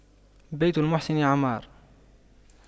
بيت المحسن عمار